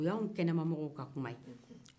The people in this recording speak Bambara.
o y'anw kɛnɛmamɔgɔw ka kuma